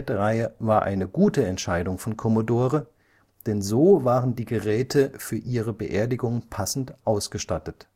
TED-Reihe war eine gute Entscheidung von Commodore, denn so waren die Geräte für ihre Beerdigung passend ausgestattet